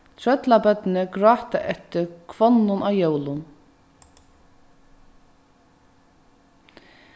trøllabørnini gráta eftir hvonnum á jólum